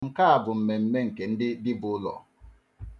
Nke a bụ mmemme nke ndị dibụlọ